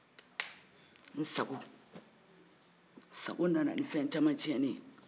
n sago sago nana ni fɛn caman tiɲɛ ye